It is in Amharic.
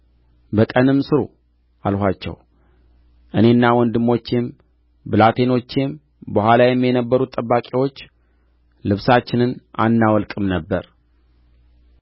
በቀንም ሥሩ አልኋቸው እኔና ወንድሞቼም ብላቴኖቼም በኋላዬም የነበሩት ጠባቂዎች ልብሳችንን አናወልቅም ነበር